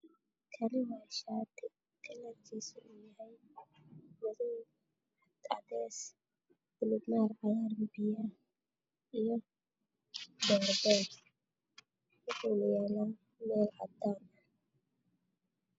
Kani waa shati kalarkis oow yahay madow cades baluug maar cagar biyobiyo ah io baar waxown yala mel cadan ah